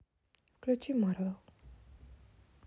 включи марвел